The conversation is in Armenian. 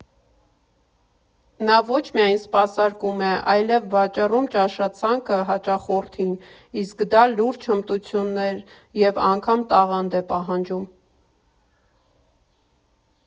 Նա ոչ միայն սպասարկում է, այլև վաճառում ճաշացանկը հաճախորդին, իսկ դա լուրջ հմտություններ և անգամ տաղանդ է պահանջում։